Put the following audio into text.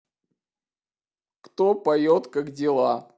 кто поет как дела